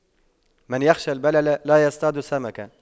من يخشى البلل لا يصطاد السمك